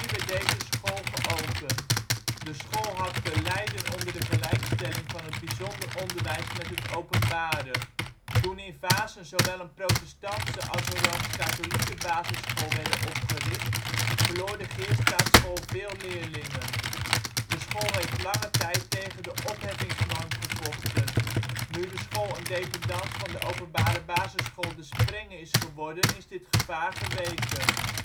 werd deze nieuwe school geopend. De school had te lijden onder de gelijkstelling van het bijzondere onderwijs met het openbare. Toen in Vaassen zowel een protestantse als rooms-katholieke basisschool werd opgericht verloor de Geerstraatschool veel leerlingen. De school heeft lange tijd tegen de opheffingsnorm gevochten. Nu de school een dependance van de openbare basisschool ' de Sprenge ' is geworden is dit gevaar geweken